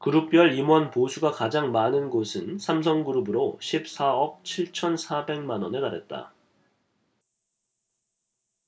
그룹별 임원 보수가 가장 많은 곳은 삼성그룹으로 십 사 억 칠 천 사백 만원에 달했다